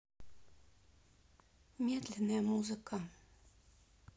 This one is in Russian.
медленная музыка